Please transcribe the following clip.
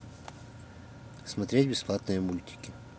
смотреть бесплатные мультики